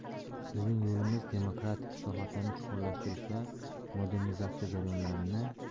bizning yo'limiz demokratik islohotlarni chuqurlashtirish va modernizatsiya jarayonlarini